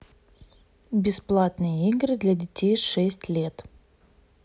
бесплатные игры для детей шесть лет